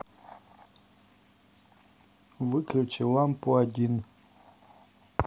выключи лампу один